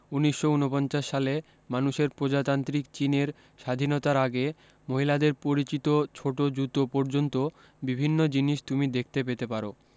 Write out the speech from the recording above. উনিশশ উনপঞ্চাশ শালে মানুষের প্রজাতান্ত্রিক চীনের স্বাধীনতার আগে মহিলাদের পরিহিত ছোট জুতো পর্যন্ত বিভিন্ন জিনিস তুমি দেখতে পেতে পার